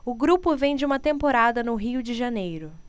o grupo vem de uma temporada no rio de janeiro